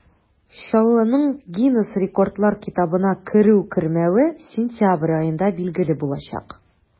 Чаллының Гиннес рекордлар китабына керү-кермәве сентябрь аенда билгеле булачак.